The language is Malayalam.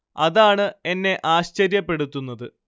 അതാണ് എന്നെ ആശ്ചര്യപ്പെടുത്തുന്നത്